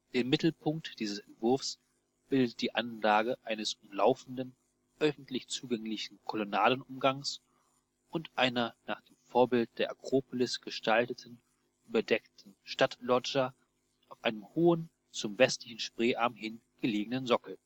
Den Mittelpunkt dieses Entwurfs bildet die Anlage eines umlaufenden, öffentlich zugänglichen Kolonnadenumgangs und einer nach dem Vorbild der Akropolis gestalteten, überdeckten Stadtloggia auf einem hohen, zum westlichen Spreearm hin gelegenen Sockel